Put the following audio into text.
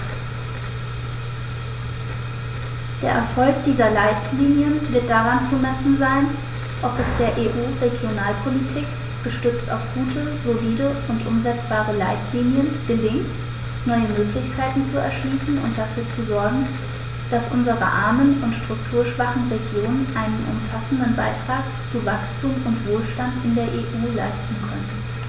Der Erfolg dieser Leitlinien wird daran zu messen sein, ob es der EU-Regionalpolitik, gestützt auf gute, solide und umsetzbare Leitlinien, gelingt, neue Möglichkeiten zu erschließen und dafür zu sorgen, dass unsere armen und strukturschwachen Regionen einen umfassenden Beitrag zu Wachstum und Wohlstand in der EU leisten können.